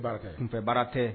Fɛ baara tɛ